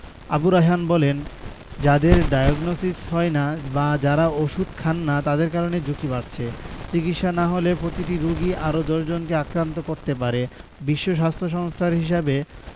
আবু রায়হান বলেন যাদের ডায়াগনসিস হয় না বা যারা ওষুধ খান না তাদের কারণেই ঝুঁকি বাড়ছে চিকিৎসা না হলে প্রতিটি রোগী আরও ১০ জনকে আক্রান্ত করাতে পারে বিশ্ব স্বাস্থ্য সংস্থার হিসেবে